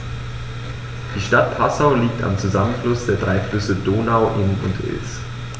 Die Stadt Passau liegt am Zusammenfluss der drei Flüsse Donau, Inn und Ilz.